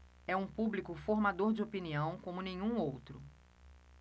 é um público formador de opinião como nenhum outro